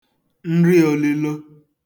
nri ōlīlō